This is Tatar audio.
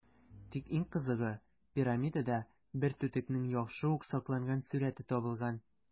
Тик иң кызыгы - пирамидада бер түтекнең яхшы ук сакланган сурəте табылган.